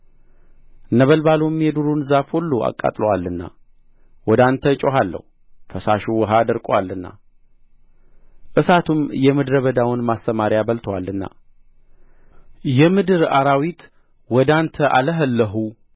ነበልባሉም የዱሩን ዛፍ ሁሉ አቃጥሎአልና ወደ አንተ እጮኻለሁ ፈሳሹ ውኃ ደርቆአልና እሳቱም የምድረ በዳውን ማሰማርያ በልቶአልና የምድር አራዊት ወደ አንተ አለኸለኩ